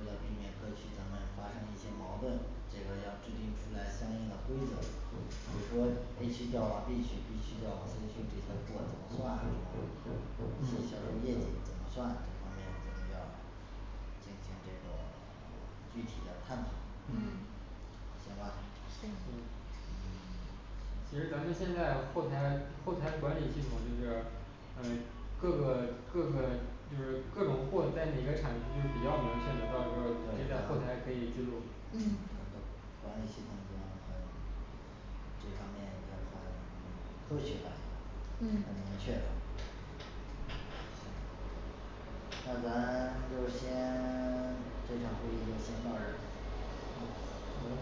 为了避免各区咱们发生一些矛盾，这个要制定出来相应的规则，比如说A区调往B区B区调往C区这些货怎么算什么一些销售业绩怎么算这方面咱们要今天这个具体的探讨嗯嗯行吧嗯 行嗯嗯其实咱们现在后台后台管理系统就是嗯各个各个就是各种货在哪个产区就比较明确的，到时候直接在后台可以记录嗯然后管理系统已经很这方面已经很 科学了很明确嗯了那咱 就先 这场会议就先到这儿嗯好的